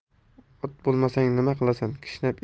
ot bo'lmasang nima qilasan kishnab